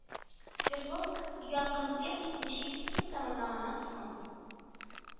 Свердловск янгынтехник училищесын тәмамлаганнан соң